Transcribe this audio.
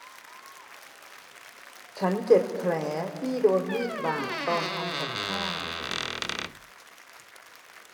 ฉันเจ็บแผลที่โดนมีดบาดตอนทำกับข้าว